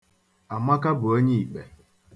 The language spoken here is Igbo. Amaka bụ onye ikpe.